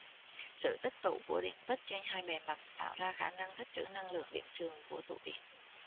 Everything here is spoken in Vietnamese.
sự tích tụ của điện tích trên hai bề mặt tạo ra khả năng tích trữ năng lượng điện trường của tụ điện